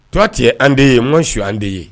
Toi tu es endeuillé moi je suis endeuillé